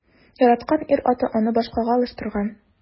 Яраткан ир-аты аны башкага алыштырган.